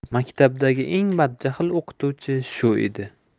maktabdagi eng badjahl o'qituvchi shu edi